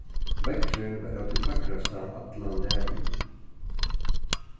veðrið var av tí fagrasta allan dagin